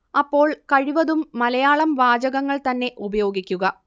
അപ്പോൾ കഴിവതും മലയാളം വാചകങ്ങൾ തന്നെ ഉപയോഗിക്കുക